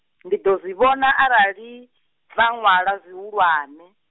ndi ḓo zwi vhona arali, vha ṅwala zwihulwane.